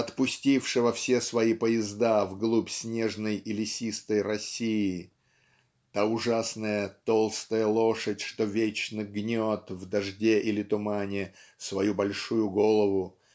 отпустившего все свои поезда в глубь снежной и лесистой России. та ужасная толстая лошадь что вечно гнет в дожде или тумане свою большую голову